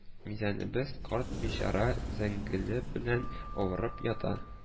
Мәзинебез карт; бичара зәңгелә белән авырып ята